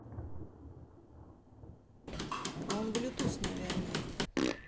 а он bluetooth наверное